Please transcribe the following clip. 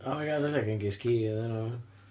Oh, my God, ella Genghis ci oedd enw fo.